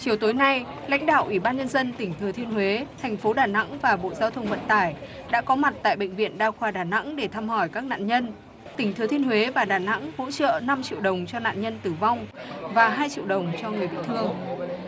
chiều tối nay lãnh đạo ủy ban nhân dân tỉnh thừa thiên huế thành phố đà nẵng và bộ giao thông vận tải đã có mặt tại bệnh viện đa khoa đà nẵng để thăm hỏi các nạn nhân tỉnh thừa thiên huế và đà nẵng hỗ trợ năm triệu đồng cho nạn nhân tử vong và hai triệu đồng cho người bị thương